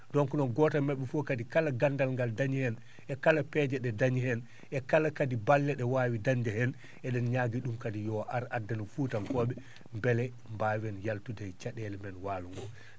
donc noon gooto e maɓ?e fof kadi kala nganndal ngal ndañi heen e kala peeje ?e ndañi heen e kala kadi balle ?e waawi dañde heen e?en ñaagii ?um kadi yo ar addana Fuutanko?e mbele mbaawen yaltude e ca?eele men waalo ngo